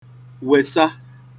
wèsa